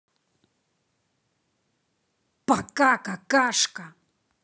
пока какашка